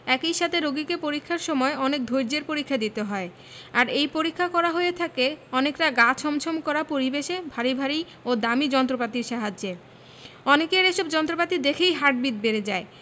একই সাথে রোগীকে পরীক্ষার সময় অনেক ধৈর্য্যের পরীক্ষা দিতে হয় আর এই পরীক্ষা করা হয়ে থাকে অনেকটা গা ছমছম করা পরিবেশে ভারী ভারী ও দামি যন্ত্রপাতির সাহায্যে অনেকের এসব যন্ত্রপাতি দেখেই হার্টবিট বেড়ে যায়